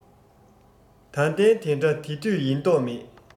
ད ལྟའི དེ འདྲ དེ དུས ཡིན མདོག མེད